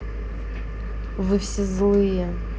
вы все злые